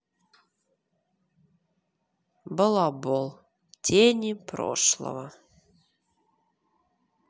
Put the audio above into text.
балабол тени прошлого